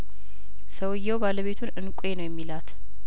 ሰውዬው ባለቤቱን እንቋ ነው የሚላት